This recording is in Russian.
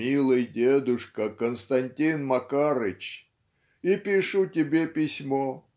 "Милый дедушка, Константин Макарыч! И пишу тебе письмо.